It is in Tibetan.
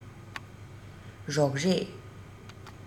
རོགས རེས